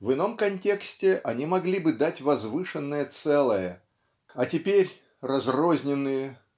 в ином контексте они могли бы дать возвышенное целое а теперь разрозненные